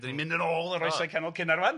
'dan ni'n mynd yn ôl i'r oesau canol cynnar rŵan.